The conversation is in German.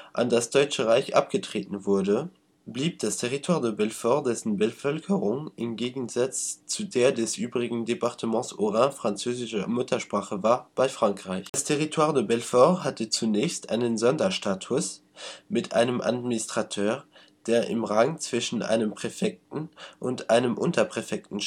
an das Deutsche Reich abgetreten wurde, blieb das Territoire de Belfort, dessen Bevölkerung im Gegensatz zu der des übrigen Départements Haut-Rhin französischer Muttersprache war, bei Frankreich. Das Territoire de Belfort hatte zunächst einen besonderen Status mit einem administrateur, der im Rang zwischen einem Präfekten und einem Unterpräfekten